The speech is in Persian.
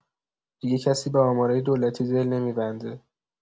دیگه کسی به آمارای دولتی دل نمی‌بنده.